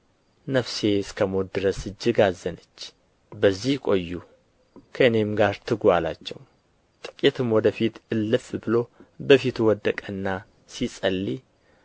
ነፍሴ እስከ ሞት ድረስ እጅግ አዘነች በዚህ ቆዩ ከእኔም ጋር ትጉ አላቸው ጥቂትም ወደ ፊት እልፍ ብሎ በፊቱ ወደቀና ሲጸልይ